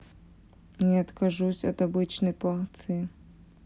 не откажусь от обычной порции